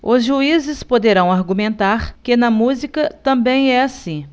os juízes poderão argumentar que na música também é assim